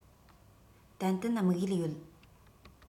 ཏན ཏན དམིགས ཡུལ ཡོད